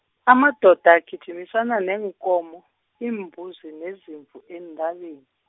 amadoda agijimisana neenkomo, iimbuzi nezimvu eentabeni.